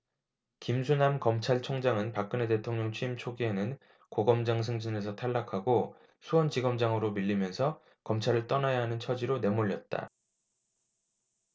김수남 검찰총장은 박근혜 대통령 취임 초기에는 고검장 승진에서 탈락하고 수원지검장으로 밀리면서 검찰을 떠나야 하는 처지로 내몰렸다